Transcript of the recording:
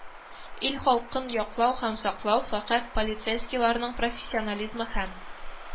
Ил халкын яклау һәм саклау, фәкать полицейскийларның профессионализмы һәм